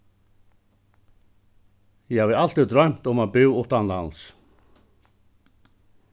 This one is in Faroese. eg havi altíð droymt um at búð uttanlands